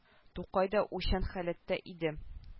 Тукай да уйчан халәттә иде